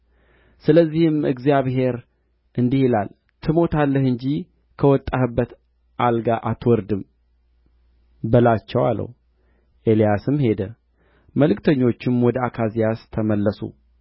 ስለዚህም እግዚአብሔር እንዲህ ይላል ትሞታለህ እንጂ ከወጣህበት አልጋ አትወርድም በላቸው አለው ኤልያስም ሄደ መልእክተኞችም ወደ አካዝያስ ተመለሱ